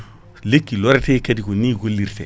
lekki lorateki kaadi ko ni gollirte